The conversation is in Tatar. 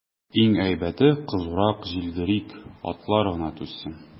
Иң әйбәте, кызурак җилдерик, атлар гына түзсен.